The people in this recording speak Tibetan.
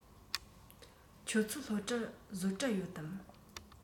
ཁྱོད ཚོའི སློབ གྲྭར བཟོ གྲྭ ཡོད དམ